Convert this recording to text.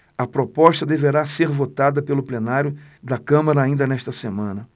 a proposta deverá ser votada pelo plenário da câmara ainda nesta semana